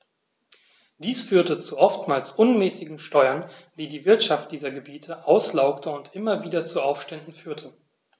Dies führte zu oftmals unmäßigen Steuern, die die Wirtschaft dieser Gebiete auslaugte und immer wieder zu Aufständen führte.